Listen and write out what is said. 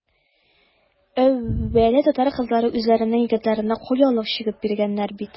Әүвәле татар кызлары үзләренең егетләренә кулъяулык чигеп биргәннәр бит.